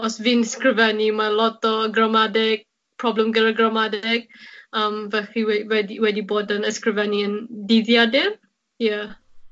os fi'n sgrifennu ma' lot o gramadeg, problem gyda gramadeg yym felly we- wedi wedi bod yn ysgrifennu yn dyddiadur. Ie.